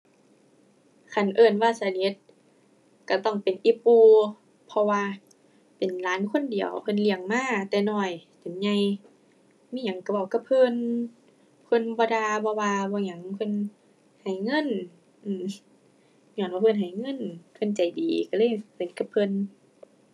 คันเอิ้นว่าสนิท ก็ต้องเป็นอีปู่ เพราะว่า เป็นหลานคนเดียวเพิ่นเลี้ยงมาแต่น้อยจนใหญ่ มีหยังก็เว้ากับเพิ่น เพิ่นบ่ด่า บ่ว่า บ่หยัง เพิ่น ให้เงิน อือ ญ้อนว่าเพิ่นให้เงิน เพิ่นใจดีก็เลยสนิทกับเพิ่น